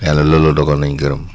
yàlla loolu la dogal na ñu gërëm